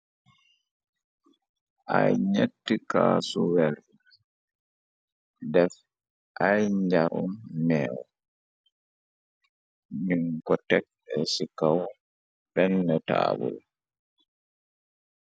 Ay ñett kaasu wer def ay njaam meew nun ko tek ci kaw benn taabul.